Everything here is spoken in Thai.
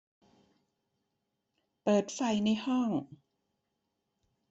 เปิดไฟในห้อง